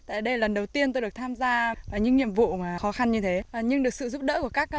tại đây là lần đầu tiên tôi được tham gia những nhiệm vụ mà khó khăn như thế nhưng được sự giúp đỡ của các